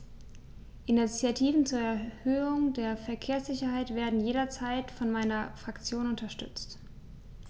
Initiativen zur Erhöhung der Verkehrssicherheit werden jederzeit von meiner Fraktion unterstützt.